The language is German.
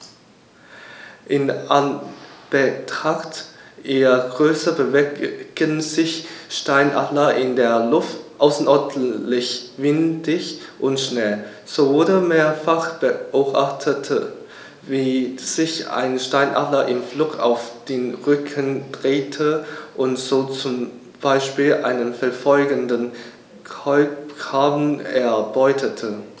In Anbetracht ihrer Größe bewegen sich Steinadler in der Luft außerordentlich wendig und schnell, so wurde mehrfach beobachtet, wie sich ein Steinadler im Flug auf den Rücken drehte und so zum Beispiel einen verfolgenden Kolkraben erbeutete.